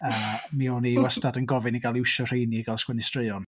A mi o'n i wastad yn gofyn i gael iwsio rheini i gael sgwennu straeon,